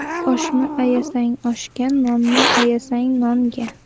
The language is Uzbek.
oshni ayasang oshga nonni ayasang nonga